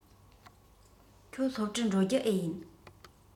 ཁྱོད སློབ གྲྭར འགྲོ རྒྱུ འེ ཡིན